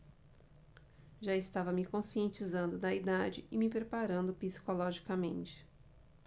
já estava me conscientizando da idade e me preparando psicologicamente